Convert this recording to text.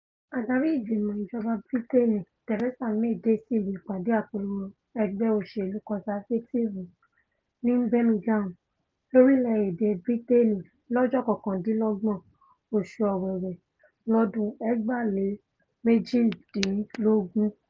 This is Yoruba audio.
Adarí Ìgbìmọ̀ Ìjọba Briteeni Theresa May dé síbi ipade Àpèro Ẹgbẹ́ Òṣèlu Conservàtive ní Birmingham, lórilẹ-ede Briteeni, lọ́jọ́ kọkàndínlọ́gbọ́n, oṣù Ọ̀wẹ̀wẹ̀, lọ́dún 2018.